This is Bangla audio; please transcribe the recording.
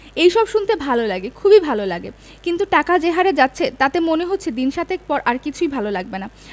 এইসব শুনতে ভাল লাগে খুবই ভাল লাগে কিন্তু টাকা যে হারে যাচ্ছে তাতে মনে হচ্ছে দিন সাতেক পর আর কিছুই ভাল লাগবে না